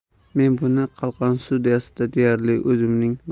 men buni 'qalqon' studiyasida deyarli o'zimning